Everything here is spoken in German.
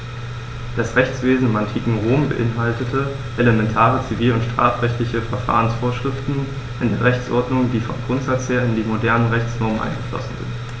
Das Rechtswesen im antiken Rom beinhaltete elementare zivil- und strafrechtliche Verfahrensvorschriften in der Rechtsordnung, die vom Grundsatz her in die modernen Rechtsnormen eingeflossen sind.